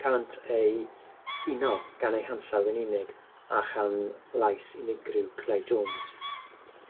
Cânt ei huno gan eu hansawdd yn unig a chan lais unigryw Clive Jones.